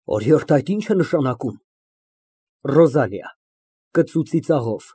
Օրիորդ, այդ ի՞նչ է նշանակում։ ՌՈԶԱԼԻԱ ֊(Կծու ծիծաղով)։